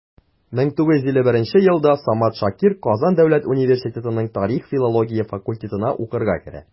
1951 елда самат шакир казан дәүләт университетының тарих-филология факультетына укырга керә.